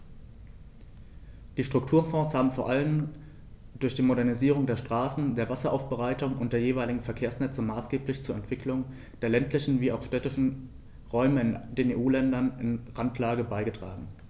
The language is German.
Die Strukturfonds haben vor allem durch die Modernisierung der Straßen, der Wasseraufbereitung und der jeweiligen Verkehrsnetze maßgeblich zur Entwicklung der ländlichen wie auch städtischen Räume in den EU-Ländern in Randlage beigetragen.